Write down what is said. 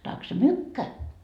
tack så mycket